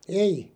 ei